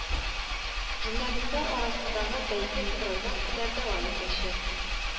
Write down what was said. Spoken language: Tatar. Журналистлар арасындагы бәйге февральгә кадәр дәвам итәчәк